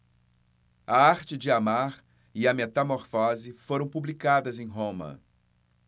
a arte de amar e a metamorfose foram publicadas em roma